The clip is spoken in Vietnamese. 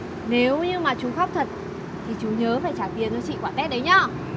nếu như mà chú khóc thật thì chú nhớ phải trả tiền cho chị quả tét đấy nhá